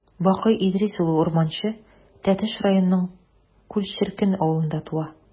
Бакый Идрис улы Урманче Тәтеш районының Күл черкен авылында туа.